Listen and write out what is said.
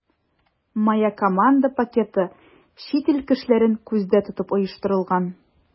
“моя команда” пакеты чит ил кешеләрен күздә тотып оештырылган.